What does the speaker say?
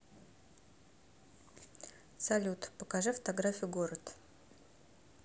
салют покажи фотографию город